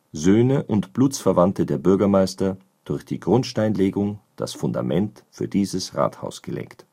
Söhne und Blutsverwandte der Bürgermeister durch die Grundsteinlegung das fundament für dieses Rathaus gelegt